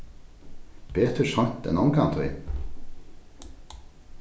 betur seint enn ongantíð